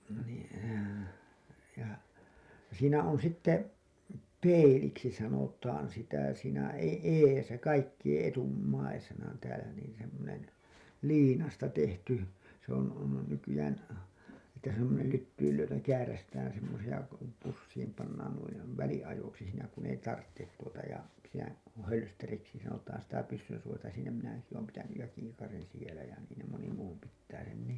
niin ja siinä on sitten peiliksi sanotaan sitä siinä - edessä kaikkien etummaisena täällä niin semmoinen liinasta tehty se on on nykyään että semmoinen lyttyyn lyötävä kääräistään semmoisia kun pussiin pannaan noin väliajoiksi siinä kun ei tarvitse tuota ja siinä hölsteriksi sanotaan sitä pyssynsuojainta siinä minä ainakin olen pitänyt ja kiikarin siellä ja niin ne moni muu pitää sen niin